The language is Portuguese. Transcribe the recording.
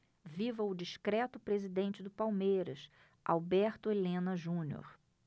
viva o discreto presidente do palmeiras alberto helena junior